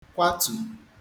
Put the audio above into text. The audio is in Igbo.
kwatù